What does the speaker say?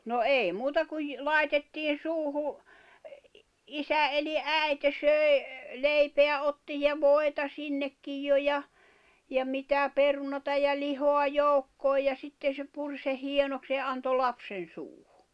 no ei muuta kuin laitettiin suuhun isä eli äiti söi leipää otti ja voita sinnekin jo ja ja mitä perunaa ja lihaa joukkoon ja sitten se puri sen hienoksi ja antoi lapsen suuhun